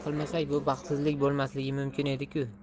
qilmasak bu baxtsizlik bo'lmasligi mumkin edi ku